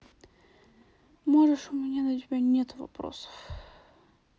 можешь у меня до тебя нету вопросов